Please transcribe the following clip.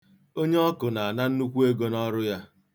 Onyeọkụ̀ na-ana nnukwu ego n'ọrụ ha.